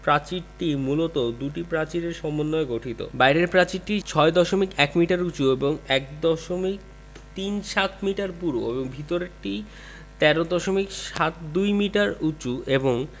প্রাচীরটি মূলত দুটি প্রাচীরের সমন্বয়ে গঠিত বাইরের প্রাচীরটি ৬দশমিক ১ মিটার উঁচু এবং ১দশমিক তিন সাত মিটার পুরু ও ভেতরেরটি ১৩ দশমিক সাত দুই মিটার উঁচু এবং